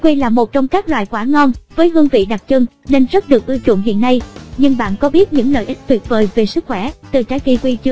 kiwi là một trong các loại quả ngon với hương vị đặc trưng nên rất được ưa chuộng hiện nay nhưng bạn có biết những lợi ích tuyệt vời về sức khoẻ từ trái kiwi chưa